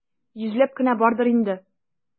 Йөзләп кенә бардыр инде.